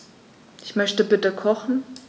Ich möchte bitte kochen.